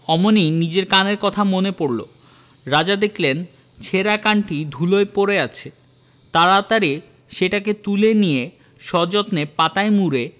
অমনি নিজের কানের কথা মনে পড়ল রাজা দেখলেন ছেঁড়া কানটি ধূলায় পড়ে আছে তাড়াতাড়ি সেটিকে তুলে নিয়ে সযত্নে পাতায় মুড়ে